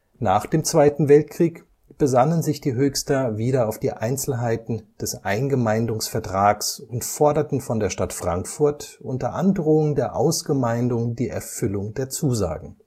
Nach dem Zweiten Weltkrieg besannen sich die Höchster wieder auf die Einzelheiten des Eingemeindungsvertrags und forderten von der Stadt Frankfurt unter Androhung der Ausgemeindung die Erfüllung der Zusagen